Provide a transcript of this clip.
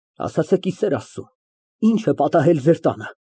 Ասացեք, ի սեր Սատծու, ինչ է պատահել ձեր տանը։